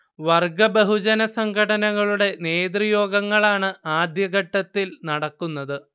വർഗ ബഹുജന സംഘടനകളുടെ നേതൃയോഗങ്ങളാണ് ആദ്യഘട്ടത്തിൽ നടക്കുന്നത്